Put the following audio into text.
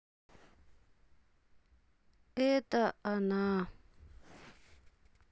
это она